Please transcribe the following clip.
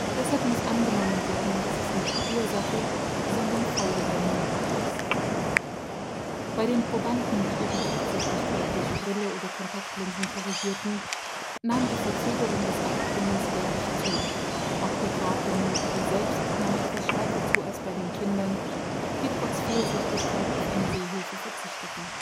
Deshalb muss angenommen werden, dass es nicht Ursache, sondern Folge der Myopie ist. Bei den Probanden, die ihre Kurzsichtigkeit durch Brille oder Kontaktlinsen korrigierten, nahm die Verzögerung des Abklingens jährlich zu, auch der Grad der Myopie selbst nahm etwas stärker zu als bei den Kindern, die trotz Fehlsichtigkeit auf eine Sehhilfe verzichteten